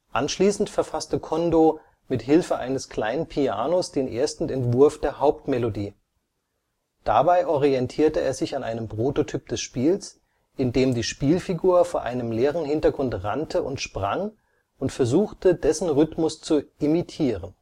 Anschließend verfasste Kondō mit Hilfe eines kleinen Pianos den ersten Entwurf der Hauptmelodie. Dabei orientierte er sich an einem Prototyp des Spiels, in dem die Spielfigur vor einem leeren Hintergrund rannte und sprang, und versuchte, dessen Rhythmus zu imitieren